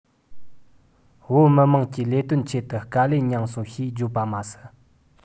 བོད མི དམངས ཀྱི ལས དོན ཆེད དུ དཀའ ལས མྱངས སོང ཞེས བརྗོད པ མ ཟད